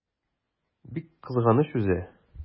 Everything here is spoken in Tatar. Бик кызганыч үзе!